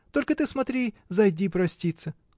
Только ты, смотри, зайди проститься.